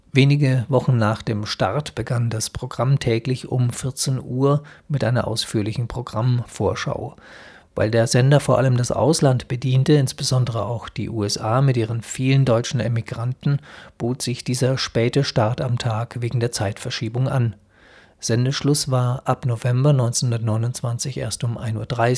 Wenige Wochen nach dem Start begann das Programm täglich um 14 Uhr mit einer ausführlichen Programmvorschau. Weil der Sender vor allem das Ausland bediente, insbesondere auch die USA mit ihren vielen deutschen Emigranten, bot sich dieser späte Start am Tag wegen der Zeitverschiebung an; Sendeschluss war ab November 1929 erst um 1.30